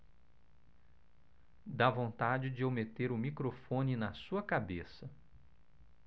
dá vontade de eu meter o microfone na sua cabeça